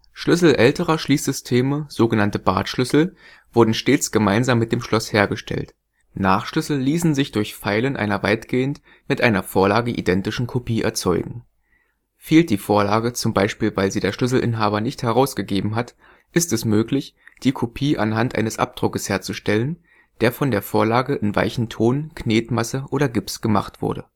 Schlüssel älterer Schließsysteme, sogenannte Bartschlüssel, wurden stets gemeinsam mit dem Schloss hergestellt. Nachschlüssel ließen sich durch Feilen einer weitgehend mit einer Vorlage identischen Kopie erzeugen. Fehlt die Vorlage, z. B. weil sie der Schlüsselinhaber nicht heraus gegeben hat, ist es möglich, die Kopie anhand eines Abdruckes herzustellen, der von der Vorlage in weichen Ton, Knetmasse oder Gips gemacht wurde